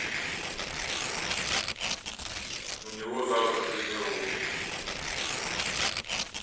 у него завтра тренировка